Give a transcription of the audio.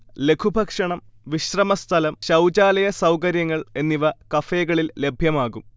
ലഘുഭക്ഷണം, വിശ്രമസ്ഥലം, ശൗചാലയ സൗകര്യങ്ങൾ എന്നിവ കഫേകളിൽ ലഭ്യമാകും